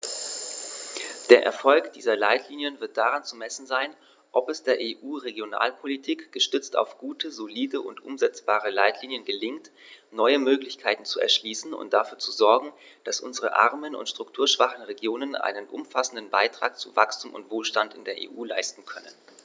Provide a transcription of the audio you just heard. Der Erfolg dieser Leitlinien wird daran zu messen sein, ob es der EU-Regionalpolitik, gestützt auf gute, solide und umsetzbare Leitlinien, gelingt, neue Möglichkeiten zu erschließen und dafür zu sorgen, dass unsere armen und strukturschwachen Regionen einen umfassenden Beitrag zu Wachstum und Wohlstand in der EU leisten können.